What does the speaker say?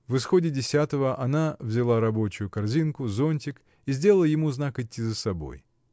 В исходе десятого она взяла рабочую корзинку, зонтик и сделала ему знак идти за собой.